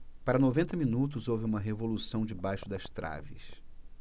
para noventa minutos houve uma revolução debaixo das traves